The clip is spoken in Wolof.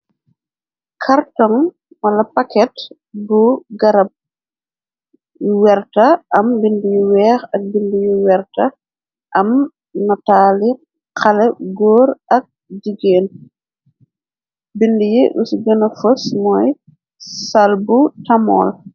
Cartong wala paket bu garab werta am bind yu weex ak bind yu werta am nataali xale gór ak jigéen bind yi uci gëna fos mooy sal bu tamol.